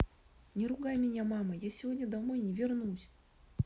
не ругай меня мама я сегодня домой не вернусь